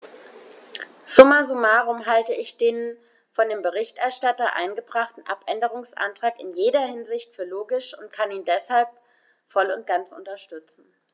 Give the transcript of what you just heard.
Summa summarum halte ich den von dem Berichterstatter eingebrachten Abänderungsantrag in jeder Hinsicht für logisch und kann ihn deshalb voll und ganz unterstützen.